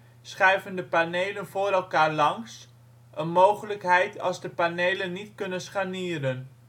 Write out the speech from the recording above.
schuiven de panelen voor elkaar langs, een mogelijkheid als de panelen niet kunnen scharnieren